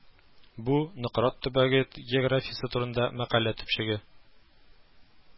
Бу Нократ төбәге географиясе турында мәкалә төпчеге